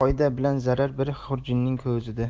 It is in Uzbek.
foyda bilan zarar bir xurjinning ko'zida